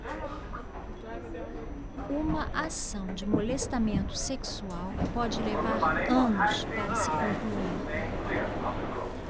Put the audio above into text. uma ação de molestamento sexual pode levar anos para se concluir